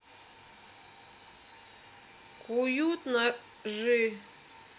куют ножи